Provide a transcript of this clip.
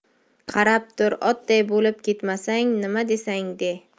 qarab tur otday bo'lib ketmasang nima desang de